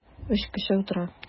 Өч кеше утыра.